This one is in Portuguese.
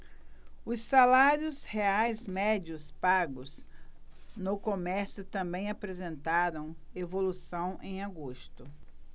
os salários reais médios pagos no comércio também apresentaram evolução em agosto